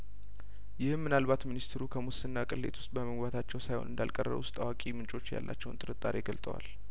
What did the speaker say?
ይህም ምናልባት ሚኒስትሩ ከሙስና ቅሌት ውስጥ በመግባታቸው ሳይሆን እንዳልቀረ ውስጥ አዋቂ ምንጮች ያላቸውን ጥርጣሬ ገልጠዋል